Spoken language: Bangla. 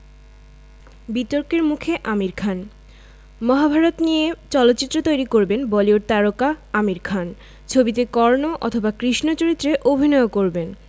বিতর্কের মুখে আমির খান মহাভারত নিয়ে চলচ্চিত্র তৈরি করবেন বলিউড তারকা আমির খান ছবিতে কর্ণ অথবা কৃষ্ণ চরিত্রে অভিনয়ও করবেন